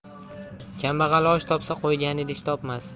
kambag'al osh topsa qo'ygani idish topmas